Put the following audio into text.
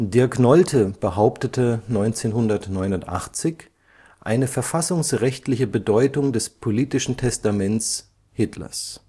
Dirk Nolte behauptete 1989 eine verfassungsrechtliche Bedeutung des politischen Testaments Hitlers